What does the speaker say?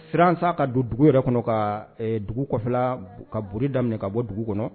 Sira sa ka don dugu yɛrɛ kɔnɔ ka dugu kɔfɛ ka boli daminɛ ka don dugu kɔnɔ